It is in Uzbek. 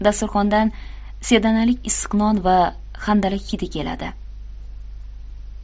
dasturxondan sedanalik issiq non va handalak hidi keladi